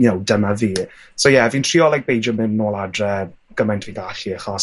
you know dyma fi. So ie fi'n trio like beidio mynd nôl adre gymaint fi gallu achos